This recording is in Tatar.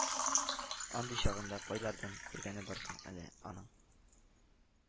Андый чагын да кайлардан күргәне бар соң әле аның